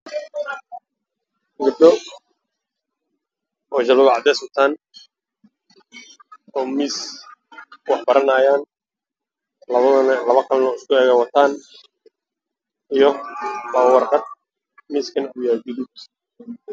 Wa schoolka gabdho ayaa jooga